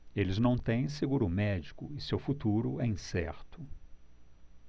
eles não têm seguro médico e seu futuro é incerto